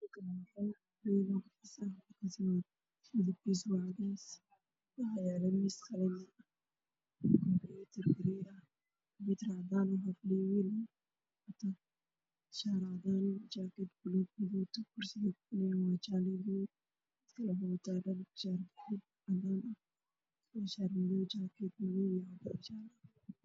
Meeshan waa xafiiska xaafad iyo niman waxay wataan suudaan computer iyo isticmaalayaan